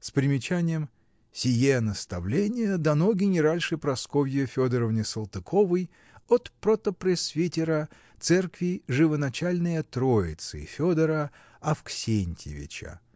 с примечанием: "Сие наставление дано генеральше Прасковье Федоровне Салтыковой от протопресвитера церкви Живоначальныя троицы Феодора Авксентьевича"